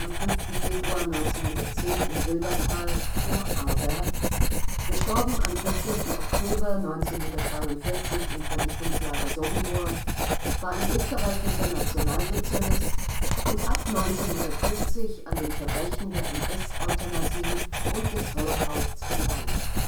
5. Februar 1910 in Silbertal, Vorarlberg; † 14. Oktober 1943 im Vernichtungslager Sobibór) war ein österreichischer Nationalsozialist und ab 1940 an den Verbrechen der NS -„ Euthanasie “und des Holocaust beteiligt